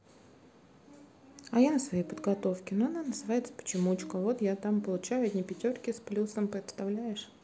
а я на своей подготовке но она называется почемучка вот я там получаю одни пятерки с плюсом представляешь